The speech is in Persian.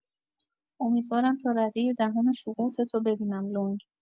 امیدوارم تا ردۀ دهم سقوطتو ببینم لنگ